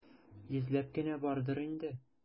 Йөзләп кенә бардыр инде.